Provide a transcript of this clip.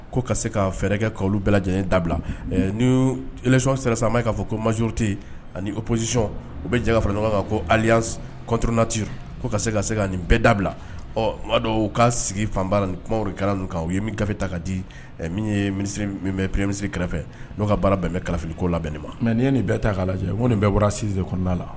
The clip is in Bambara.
Ko ka se ka fɛɛrɛgɛ ka' bɛɛ lajɛlen dabila nic sera ma'a fɔ ko mazurute ani pɔsiyɔn u bɛ jan fara ɲɔgɔn kan ko ali kɔntnati ko ka se ka ka nin bɛɛ dabila ɔ madɔ'a sigi fan kuma kɛra ninnu kan ye gafe ta ka di min ye perere minisi kɛrɛfɛ n'o ka baara bɛn kalifafiliko labɛn nin ma mɛ nin ye nin bɛɛ ta k'a lajɛ ko nin bɛsise kɔnɔ la